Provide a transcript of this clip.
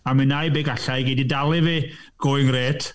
A mi wna i be galla i, gei di dalu fi going rate.